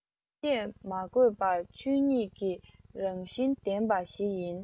བཤད མ དགོས པར ཆོས ཉིད ཀྱི རང བཞིན ལྡན པ ཞིག ཡིན